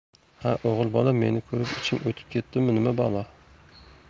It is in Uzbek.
ha o'g'il bola meni ko'rib iching o'tib ketdimi nima balo